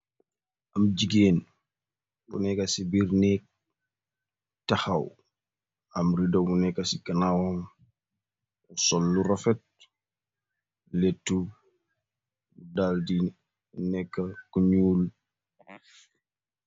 Am jigeen bu nekka ci biir nèeg tahaw, am riddo bu nekka ci ganaawam, sol lu rafet, lettu dal di nekk Ku ñuul.